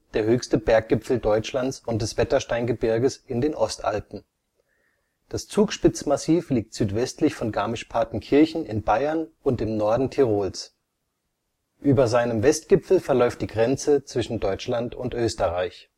der höchste Berggipfel Deutschlands und des Wettersteingebirges in den Ostalpen. Das Zugspitzmassiv liegt südwestlich von Garmisch-Partenkirchen in Bayern und im Norden Tirols. Über seinem Westgipfel verläuft die Grenze zwischen Deutschland und Österreich